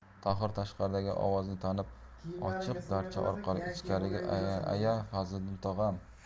tohir tashqaridagi ovozni tanib ochiq darcha orqali ichkariga aya fazliddin tog'oyim